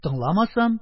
Тыңламасам,